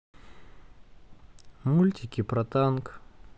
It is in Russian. мультики про танк